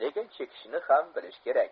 lekin chekishini xam bilish kerak